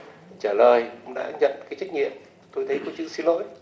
trả lời cũng đã nhận cái trách nhiệm tôi thấy có chữ xin lỗi